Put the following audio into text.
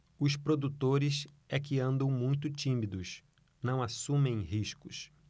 os produtores é que andam muito tímidos não assumem riscos